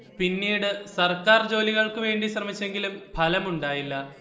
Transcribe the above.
പിന്നീട് സർക്കാർ ജോലികൾക്ക് വേണ്ടി ശ്രമിച്ചെങ്കിലും ഫലം ഉണ്ടായില്ല